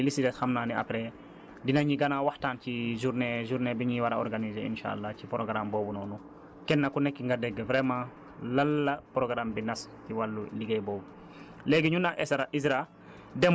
programme bi yooyu la ñuy soxla léegi li si des xam naa ne après dinañu gën a waxtaan ci journée journée bi ñuy war a organiser insaa àllaa ci programme boobu noonu kenn ku nekk nga dégg vraiment lan la programme bi nas ci wàllu liggéey boobu